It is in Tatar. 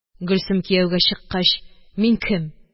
Гөлсем кияүгә чыккач, мин кем?